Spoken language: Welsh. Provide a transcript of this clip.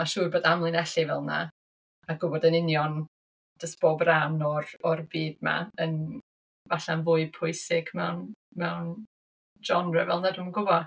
Mae'n siŵr bod amlinellu fel 'na, a gwybod yn union jyst bob ran o'r o'r byd 'ma yn falle fwy pwysig mewn mewn genre fel 'na, dwi'm yn gwbod?